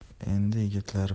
endi yigitlar buni